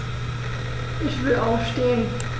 Ich will aufstehen.